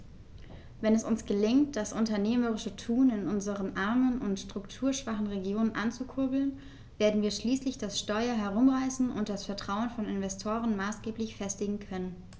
Wenn es uns gelingt, das unternehmerische Tun in unseren armen und strukturschwachen Regionen anzukurbeln, werden wir schließlich das Steuer herumreißen und das Vertrauen von Investoren maßgeblich festigen können.